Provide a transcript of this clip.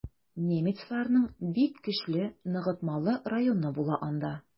Немецларның бик көчле ныгытмалы районы була анда.